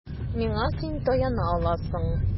Миңа син таяна аласың.